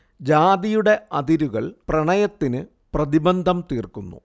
ജാതിയുടെ അതിരുകൾ പ്രണയത്തിന് പ്രതിബന്ധം തീർക്കുന്നു